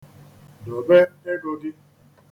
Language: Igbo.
Dobe ego gị.